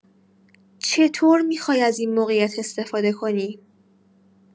چطور می‌خوای از این موقعیت استفاده کنی؟